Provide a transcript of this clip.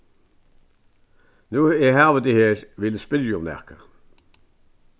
nú eg havi teg her vil eg spyrja um nakað